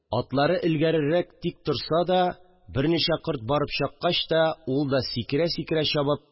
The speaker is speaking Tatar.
Атлары элгәрерәк тик торса да, берничә корт барып чаккач та, ул да сикерә-сикерә чабып